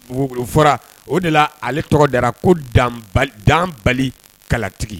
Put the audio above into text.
Dugukolofara o de la ale tɔgɔ dara ko danbali kalatigi